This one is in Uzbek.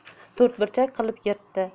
to'rtburchak qilib yirtdi